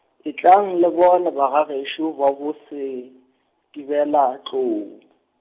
Etlang le bone ba ga gešo, ba boSethibeladitlou .